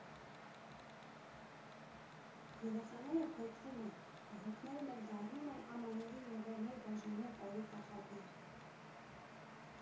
Երեխաները փրկվում են, վհուկներն էլ դառնում են Ամանորին նվերներ բաժանող բարի կախարդներ։